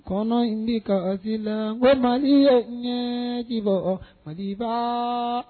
Kɔnɔ in ni kasi la ko ma ni ye ɲɛ di bɔ ma' fa